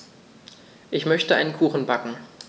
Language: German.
Ich möchte einen Kuchen backen.